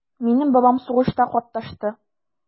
Минем бабам сугышта катнашты.